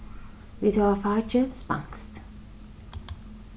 vit hava fakið spanskt